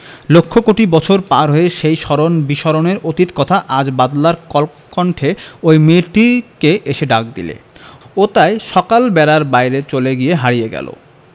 লক্ষ কোটি বছর পার হয়ে সেই স্মরণ বিস্মরণের অতীত কথা আজ বাদলার কলকণ্ঠে ঐ মেয়েটিকে এসে ডাক দিলে ও তাই সকল বেড়ার বাইরে চলে গিয়ে হারিয়ে গেল